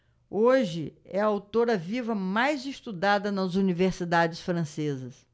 hoje é a autora viva mais estudada nas universidades francesas